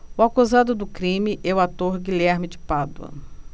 o acusado do crime é o ator guilherme de pádua